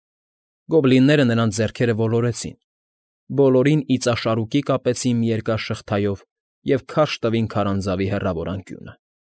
Գոբլինները նրանց ձեռքերը ոլորեցին, բոլորին իծաշարուկի կապեցին մի երկար շղթայով և քարշ տվին քարանձավի հեռավոր անկյունը։